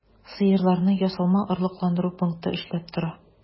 Сыерларны ясалма орлыкландыру пункты эшләп тора.